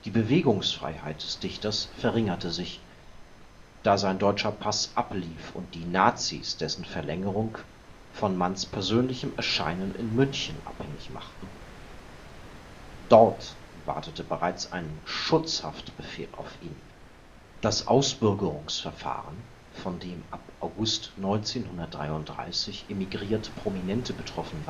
Bewegungsfreiheit des Dichters verringerte sich, da sein deutscher Pass ablief und die Nazis dessen Verlängerung von Manns persönlichem Erscheinen in München abhängig machten. Dort wartete bereits ein „ Schutzhaftbefehl “auf ihn. Das Ausbürgerungsverfahren, von dem ab August 1933 emigrierte Prominente betroffen